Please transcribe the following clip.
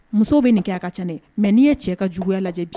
Musow bɛ nin kɛ a ka ca nka n'i ye cɛ ka juguyaya lajɛ bi